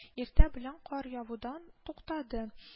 Иртә белән кар явудан туктады